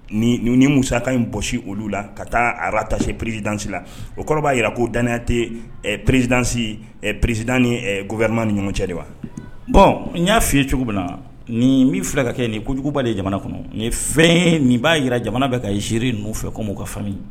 Ni ni musa ka in p olu la ka taa arara ta se prisidsi la o kɔrɔ b'a jira k koo da tɛ prisid prisid ni g wɛrɛma ni ɲɔgɔn cɛ de wa bɔn n y'a f cogo min na nin min fila ka kɛ nin ko kojuguba de jamana kɔnɔ ye fɛn nin b'a jira jamana bɛ ka ziiri n' fɛ ko' ka faamuya